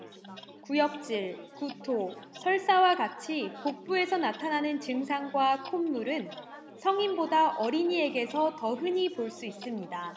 구역질 구토 설사와 같이 복부에서 나타나는 증상과 콧물은 성인보다 어린이에게서 더 흔히 볼 수 있습니다